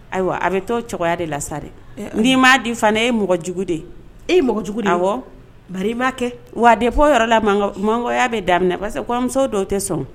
Ayiwa a bɛ to cogoya de la sa dɛ n'i m'a di fana ye mɔgɔ jugu de ye e ye mɔgɔjugu nabɔ ba i'a kɛ wa de bɔ yɔrɔ la mangoya bɛ daminɛ que komuso dɔw tɛ sɔn